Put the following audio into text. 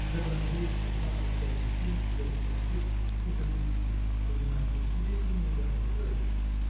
Петр Андреич, узнав о свадьбе сына, слег в постель и запретил упоминать при себе имя Ивана Петровича